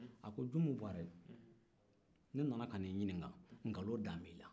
a ko junmu buwarɛ ne nan'i ɲininka nkalon dalen b'i la